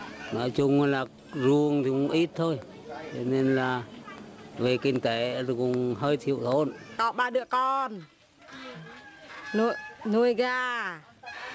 nói chung là ruộng dùng ít thôi nên là về kinh tế cũng hơi thiếu thốn to ba đứa con lợn nuôi gà